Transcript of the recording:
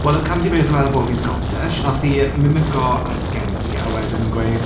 Wel oedd Kandy Muse yn meddwl bo' fi'n Scottish. Wnaeth hi mimicio acen fi, a wedyn gweud...